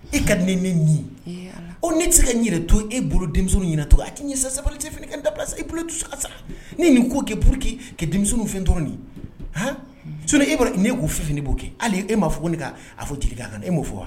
E ka ni ne nin o ne tɛ se ka to e bolo denmuso ɲini to a tɛ ɲɛsa sabali tɛ fini n da e bolo dusuka sa ni nin ko kɛ buru kɛ ka denmuso fɛn dɔrɔn h e bɔra' k' fi fini b'o kɛ hali e m maa fɔ ko ne k'a fɔ jelikɛ k' kan e m'o fɔ wa